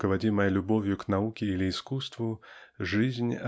руководимая любовью к науке или искусству жизнь